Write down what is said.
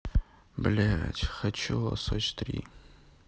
блять хочу лосось три